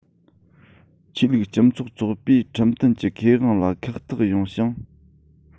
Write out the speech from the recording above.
ཆོས ལུགས སྤྱི ཚོགས ཚོགས པའི ཁྲིམས མཐུན གྱི ཁེ དབང ལ ཁག ཐེག ཡོང ཞིང